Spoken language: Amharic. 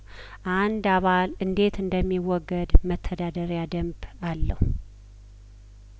አንድ አባል እንዴት እንደሚወገድ መተዳደሪያ ደንብ አለው